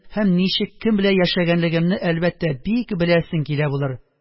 Һәм ничек, кем белән яшәгәнлегемне, әлбәттә, бик беләсең килә булыр